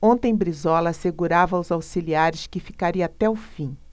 ontem brizola assegurava aos auxiliares que ficaria até o fim